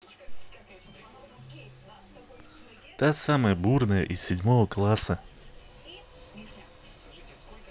та самая бурная из седьмого класса